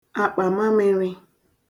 àkpàmamịrị